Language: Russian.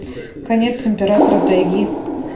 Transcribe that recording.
конец императора тайги